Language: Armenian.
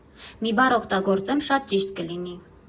Մի բառ օգտագործեմ շատ ճիշտ կլինի։